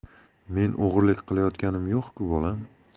men o'g'irlik qilayotganim yo'q ku bolam